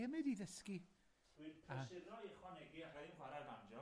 be' mae o 'di ddysgu. Dwi'n... A... ...prysuro i ychwanegu allai'm chwarae'r banjo.